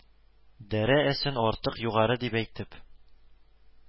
Дәрә әсен артык югары дип әйтеп